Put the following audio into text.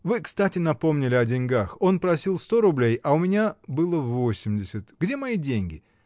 — Вы кстати напомнили о деньгах: он просил сто рублей, а у меня было восемьдесят. Где мои деньги?